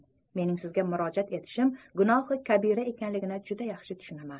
mening sizga murojaat etishim gunohi kabira ekanligini juda yaxshi tushunaman